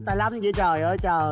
tài lanh dậy trời ơi trời